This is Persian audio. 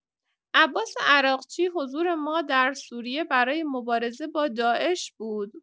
عباس عراقچی: حضور ما در سوریه برای مبارزه با داعش بود.